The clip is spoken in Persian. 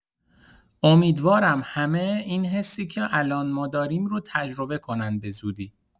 امیدوارم همه این حسی که الان ما داریم رو تجربه کنن بزودی